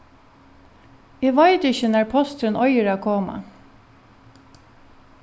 eg veit ikki nær posturin eigur at koma